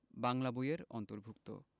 বাংলা বই এর অন্তর্ভুক্ত